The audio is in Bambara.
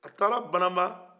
a taara banamba